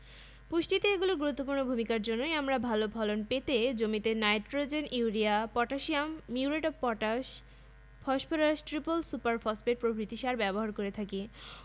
চিনি পরিবহনে বোরন পরোক্ষ প্রভাব বিস্তার করে মোলিবডেনাম অণুজীব দিয়ে বায়বীয় নাইট্রোজেন সংবন্ধনের জন্য মোলিবডেনাম আবশ্যক